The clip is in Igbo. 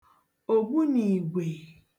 ògbunììgwè